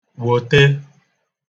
wòte